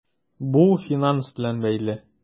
Бу финанс белән бәйле.